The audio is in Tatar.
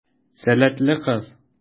Сәләтле кыз.